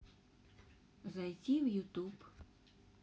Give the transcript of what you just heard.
зайти в ютуб